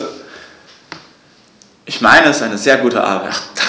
Ich meine, es ist eine sehr gute Arbeit.